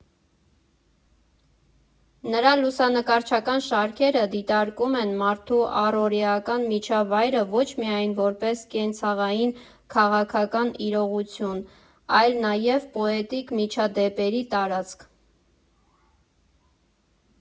Նրա լուսանկարչական շարքերը դիտարկում են մարդու առօրեական միջավայրը ոչ միայն որպես կենցաղային֊քաղաքական իրողություն, այլ նաև պոետիկ միջադեպերի տարածք։